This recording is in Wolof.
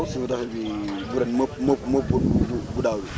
waaw si ren bii bu ren moo ëpp moo ëpp moo ëpp bu bu daaw bi